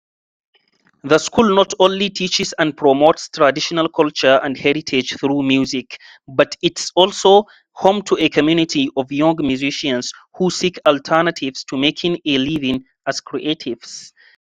The school not only teaches and promotes traditional culture and heritage through music, but it's also home to a community of young musicians who seek alternatives to making a living as creatives.